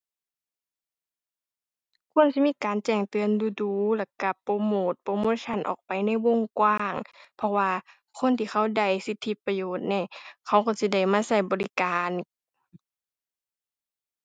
ควรสิมีการแจ้งเตือนดู๋ดู๋ แล้วก็โปรโมตโปรโมชันออกไปในวงกว้าง เพราะว่าคนที่เขาได้สิทธิประโยชน์นี้ เขาก็สิมาได้ก็บริการ